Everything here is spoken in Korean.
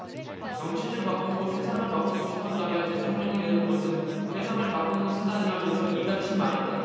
정치를 바꾸고 세상을 바꾸고 싶었다며 대통령이 되는 것은 세상을 바꾸는 수단이라면서 이같이 말했다